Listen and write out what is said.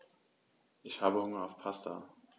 Ich habe Hunger auf Pasta.